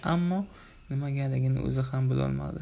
ammo nimagaligini o'zi ham bilolmadi